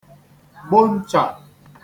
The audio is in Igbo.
gbụ nchà